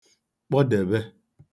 kpọdèbe